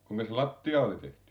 kuinka se lattia oli tehty